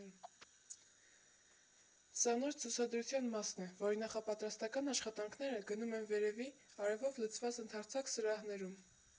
Սա նոր ցուցադրության մասն է, որի նախապատրաստական աշխատանքները գնում են վերևի՝ արևով լցված ընդարձակ սրահներում։